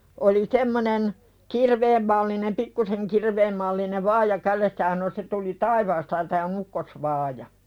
oli semmoinen kirveen mallinen pikkuisen kirveen mallinen vaaja kädessä ja sanoi se tuli taivaasta ja tämä on ukkosvaaja